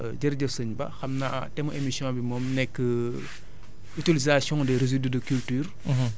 waa jërëjëf sëñ Ba xam naa thème mu émission bi moom nekk utilisation des résidus de culture